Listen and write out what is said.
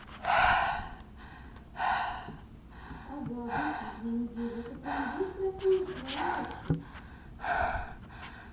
ага быстро две недели это это прям быстро быстро очень